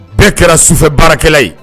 Bɛɛ kɛra sufɛ baarakɛla ye